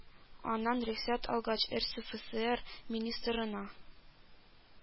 Аннан рөхсәт алгач, эРСэФэСээР министрына